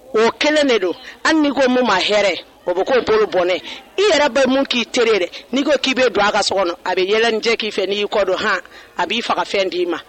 O kɛlen de don hali n'i ko min ma hɛrɛɛ o bɛ k' bolo bɔnɛ i yɛrɛ bɛ min k'i t dɛ n'i ko k'i bɛ don a ka so kɔnɔ a bɛ yɛlɛjɛ k'i fɛ ni kɔ dɔn hɔn a b'i faga fɛn d'i ma